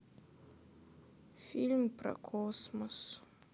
фильм про космос